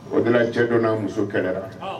O don na cɛ dɔ na muso kɛlɛ la.